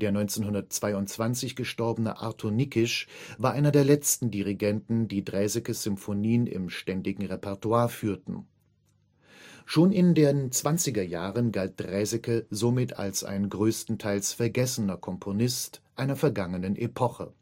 1922 gestorbene Arthur Nikisch war einer der letzten Dirigenten, die Draesekes Symphonien im ständigen Repertoire führten. Schon in den 20er Jahren galt Draeseke somit als ein größtenteils vergessener Komponist einer vergangenen Epoche